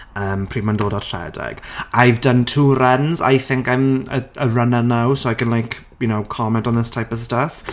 Yym, pryd mae'n dod at rhedeg. I've done two runs. I think I'm a a runner now, so I can, like, you know comment on this type of stuff.